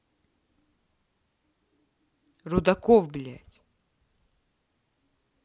рудаков блядь